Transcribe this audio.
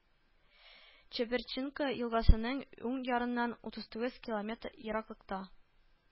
Чеберчинка елгасының уң ярыннан утыз тугыз километр ераклыкта